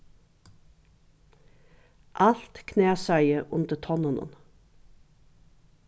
alt knasaði undir tonnunum